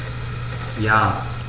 Ja.